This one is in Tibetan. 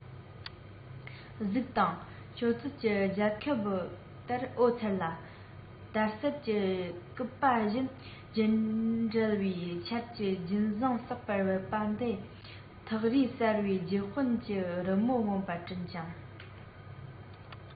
གཟིགས དང ཞོལ རྩིད ཀྱི རྒྱ ཁབ ལྟར འོད འཚེར ལ དར ཟབ ཀྱི སྐུད པ བཞིན རྒྱུན འབྲེལ བའི ཆར གྱི རྒྱུན བཟང གསེག པར འབབ པ དེས ཐགས རིས གསར པའི རྒྱུ སྤུན གྱི རི མོ མངོན པར བསྐྲུན ཅིང